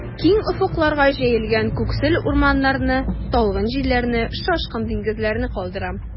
Киң офыкларга җәелгән күксел урманнарны, талгын җилләрне, шашкын диңгезләрне калдырам.